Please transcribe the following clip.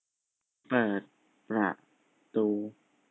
เปิดประตู